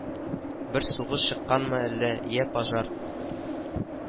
Бер сугыш чыкканмы әллә, йә пожар